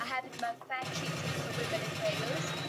a hefyd ma' fair treatment for women in Wales